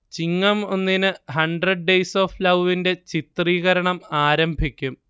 ചിങ്ങം ഒന്നിന് hundred days of ലവിന്റെ ചിത്രീകരണം ആരംഭിക്കും